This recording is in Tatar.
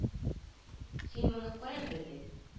Син моны каян белдең